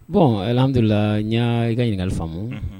Bɔn hadulila n y'a i ka ɲininkali faamumu